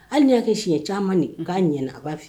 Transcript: Hali y'a kɛ siɲɛ caman nin' ɲɛ a b'a fɛ